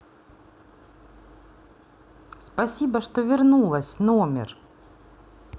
спасибо что вернулось номер